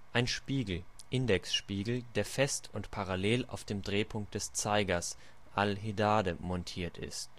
ein Spiegel (Indexspiegel), der fest und parallel auf dem Drehpunkt des Zeigers (Alhidade) montiert ist